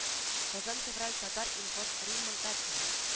Казан февраль татар-информ римма гатина